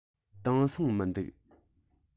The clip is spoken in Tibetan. དེང སང མི འདུག